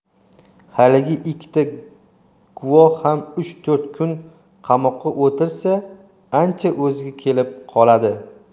haligi ikkita guvoh ham uch to'rt kun qamoqda o'tirsa ancha o'ziga kelib qoladi